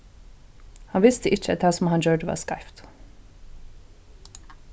hann visti ikki at tað sum hann gjørdi var skeivt